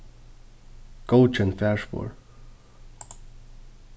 góðkenn farspor